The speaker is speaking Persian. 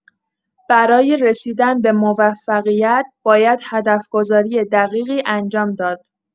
برای رسیدن به موفقیت، باید هدف‌گذاری دقیقی انجام داد.